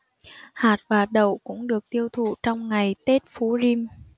hạt và đậu cũng được tiêu thụ trong ngày tết phú rim